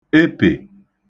epè